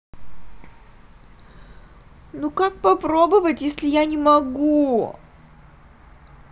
ну как попробовать если я не могу